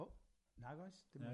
O, nag oes, dim oes.